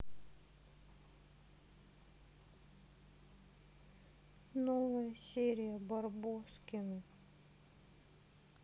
новая серия барбоскины